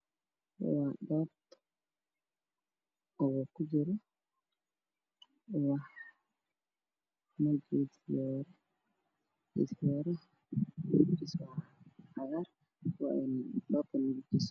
Mudad oo ku jiro gaari gaariga midabkiisu waa caddaan iyo cagaar gaariga wuu socdaa